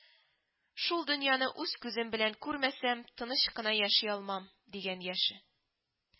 Шул дөньяны үз күзем белән күрмәсәм, тыныч кына яши алмам, - дигән яше